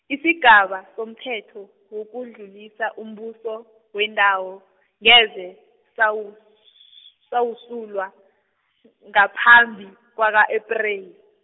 isigaba somthetho wokudlulisa umbuso wendawo, ngeze, sawu- , sawusulwa ngaphambi kwaka-Apreli.